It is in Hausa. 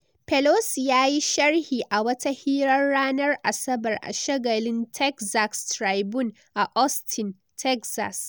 Pelosi ya yi sharhi a wata hirar ranar Asabar a shagali Texas Tribune a Austin, Texas.